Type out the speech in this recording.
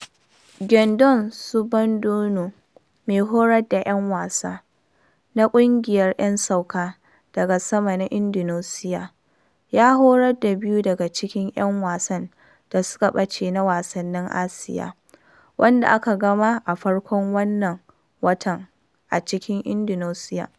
Gendon Subandono, mai horar da ‘yan wasa na ƙungiyar ‘yan sauka daga sama na Indonesiya, ya horar da biyu daga cikin ‘yan wasan da suka bace na Wasannin Asiya, wanda aka gama a farkon wannan watan a cikin Indonesiya.